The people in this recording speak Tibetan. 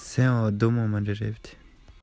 ཐོག ཏུ བག ལེབ སྲེག བཞིན པ འདྲ